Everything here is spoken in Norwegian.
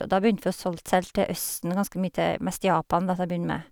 Og da begynte vi å solgt selge til Østen, ganske mye til mest Japan, da, til å begynne med.